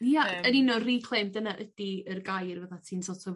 Ia... Yym. ...yn union reclaim dyna ydi yr gair fatha ti'n so't of...